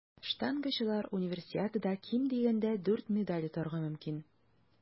Штангачылар Универсиадада ким дигәндә дүрт медаль отарга мөмкин.